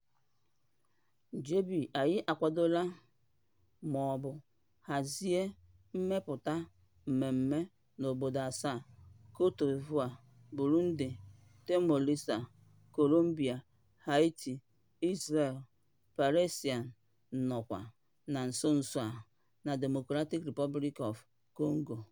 JB: Anyị akwadola maọbụ hazie mmejupụta mmemme n'obodo asaa: Côte d'Ivoire, Burundi, Timor Leste, Colombia, Haïti, Israël-Palestine nakwa, na nso nso a, na Democratic Republic of Congo.